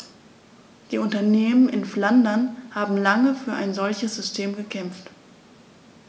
Die Unternehmen in Flandern haben lange für ein solches System gekämpft.